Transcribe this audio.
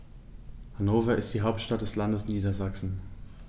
Hannover ist die Hauptstadt des Landes Niedersachsen.